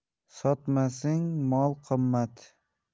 sotmasning moli qimmat